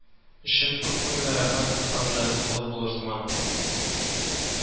Өчен күпме генә рәхмәт укысам да аз булыр сыман